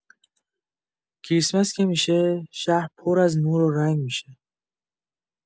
کریسمس که می‌شه، شهر پر از نور و رنگ می‌شه.